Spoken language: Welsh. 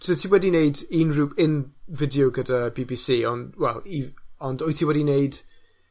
So ti wedi neud unrhyw un fideo gyda bee bee see, ond wel 'i ond wyt ti wedi neud